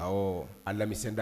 Alami